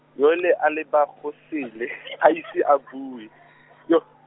yole a leba go sele, a ise a bue , yo.